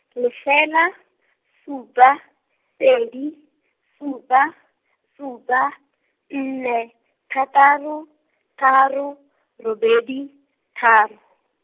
lefela, supa, pedi, supa, supa , nne, thataro, tharo, robedi, tharo.